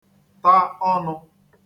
ta ọnụ